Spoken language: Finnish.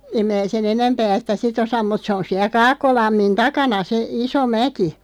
en minä sen enempää sitä sitten osaa mutta se on siellä Kaakkolammin takana se iso mäki